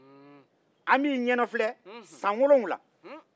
an b'i ɲɛnafilɛ san wolonfila